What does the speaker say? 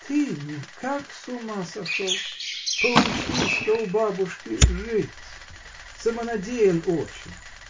— Ты никак с ума сошел: поучись-ка у бабушки жить. Самонадеян очень.